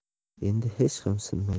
endi hech ham sinmaydi